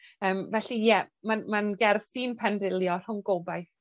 Yym felly ie, ma'n ma'n gerdd sy'n pendilio rhwng gobaith